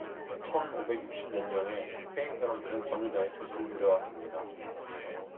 천 오백 육십 년경에 스페인 사람들은 버뮤다에 돼지를 들여왔습니다